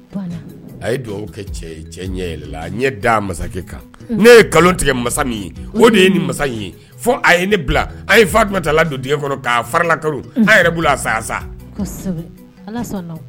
Aye dugawu kɛ cɛ ye, cɛ ɲɛ yɛlɛnna, a ɲɛ da masakɛ kan. Un. Ne ye nkalon tigɛ masa min ye, o de ye nin masa in ye fo a ye ne bila an ye Fatumata ladon dingɛ kɔnɔ k'a faralakeru. UN. An yɛrɛ bol'a sara sa. Kosɛbɛ! ala sɔnna o.